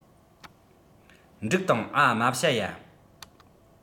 འབྲུག དང ཨ རྨ བྱ ཡ